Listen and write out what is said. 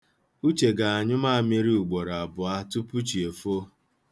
Uche ga-anyụ maamịrị ugboro abụọ tupu chi efoo.